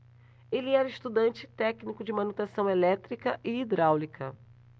ele era estudante e técnico de manutenção elétrica e hidráulica